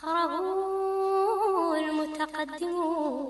Faamagɛnin